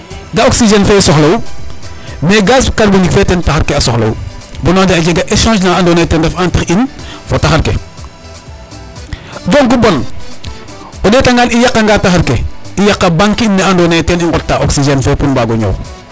Ga'aa oxigene fe i soxla'u mais gaz carbonique fe ten taxar ke a soxla'u bon a jega échange na andoona yee teen ten ref entre in fo taxar ke. Donc bo o ɗeetangaan i yaqanga taxar ke i yaqaa mbakin ne andoona yee ten i nqottaa oxigene fe pour mbaago ñoow.